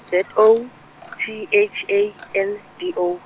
Z O P H A N D O.